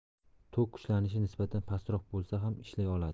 to'k kuchlanishi nisbatan pastroq bo'lsa ham ishlay oladi